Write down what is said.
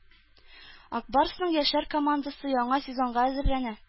“ак барс”ның яшьләр командасы яңа сезонга әзерләнә